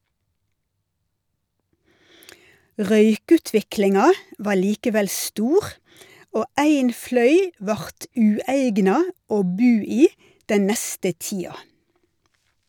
Røykutviklinga var likevel stor, og ein fløy vart ueigna å bu i den neste tida.